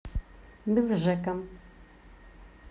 мы с жеком